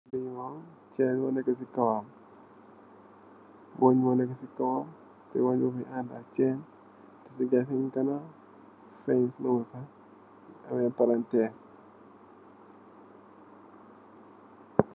Lii mom chaine mor neka cii kawam, weungh mor neka cii kawam, teh weungh bii mungy aandak chaine, teh cii gaii sehn ganaw fence leh bu hawah pareh, ameh palanterre.